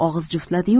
og'iz juftladi yu